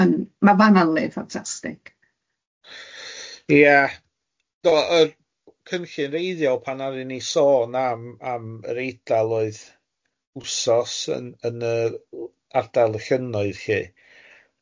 Ma'n ma' fan'na'n le ffantastig. Ia, do, yr cynllun reiddiol pan aru ni sôn am am yr Eidal oedd wsos yn yn yr w- ardal y llynnoedd lly.